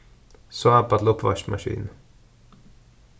sápa til uppvaskimaskinu